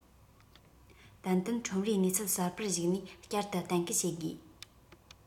ཏན ཏན ཁྲོམ རའི གནས ཚུལ གསར པར གཞིགས ནས བསྐྱར དུ གཏན འཁེལ བྱེད དགོས